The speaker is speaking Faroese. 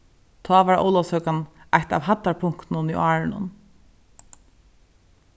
tá var ólavsøkan eitt av hæddarpunktunum í árinum